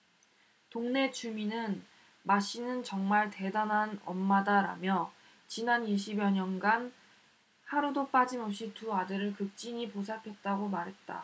동네 주민은 마씨는 정말로 대단한 엄마다라며 지난 이십 여년간 하루도 빠짐없이 두 아들을 극진히 보살폈다고 말했다